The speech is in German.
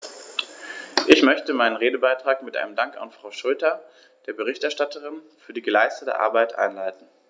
Ich möchte meinen Redebeitrag mit einem Dank an Frau Schroedter, der Berichterstatterin, für die geleistete Arbeit einleiten.